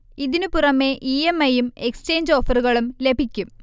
ഇതിന് പുറമെ E. M. I. യും എക്സചേഞ്ച് ഓഫറുകളും ലഭിക്കും